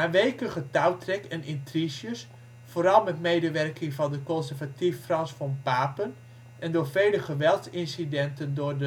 weken getouwtrek en intriges, vooral met medewerking van de conservatief Franz von Papen en door vele geweldsincidenten door